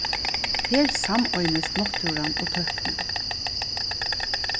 her sameinist náttúran og tøknin